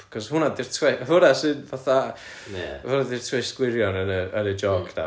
achos hwnna 'di'r twi- hwnna sy'n fatha hwnna 'di'r twist gwirion yn y... yn y joke 'na